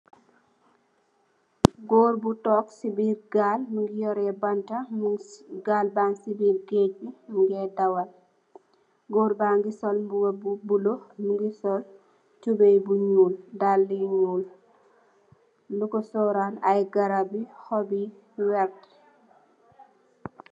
Gorre bu tok cii birr gaal, mungy yohreh bantah, munc gaal bang cii birr geudggh bii mungeh dawal, gorre bangy sol mbuba bu bleu, mungy sol tubeiyy bu njull , daalue yu njull, lukor surround aiiy garabi hohbi vert.